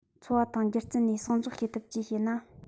འཚོ བ དང སྒྱུ རྩལ ནས གསོག འཇོག བྱེད ཐབས བཅས བྱས ན